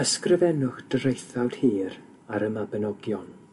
Ysgrifennwch draethawd hir ar y Mabinogion.